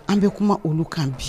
An bɛ kuma olu kan bi